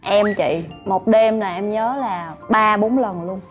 em chị một đêm là em nhớ là ba bốn lần luôn